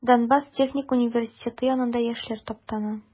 Донбасс техник университеты янында яшьләр таптана.